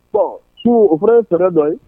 Bon sun o fɛnɛ ye fɛɛrɛ dɔ ye